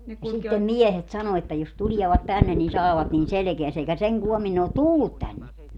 sitten miehet sanoi että jos tulevat tänne niin saavat niin selkäänsä eikä sen koommin ne ole tullut tänne